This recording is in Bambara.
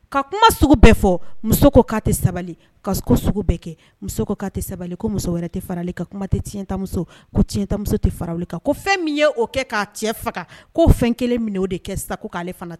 Ka kuma sug bɛɛ fɔ. Muso ko ka tɛ sabali. Ka ko sugu bɛɛ kɛ . Muso ko ka tɛ sabali ko muso wɛrɛ tɛ fara ale ka kuma tɛ tiɲɛgamuso ma. Ko tiɲɛtamuso tɛ fara ale kan. ko fɛn min ye o kɛ ka cɛ faga ko o fɛn kele de kɛ sisan ka ale fana